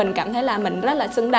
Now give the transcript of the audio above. mình cảm thấy là mình rất là xứng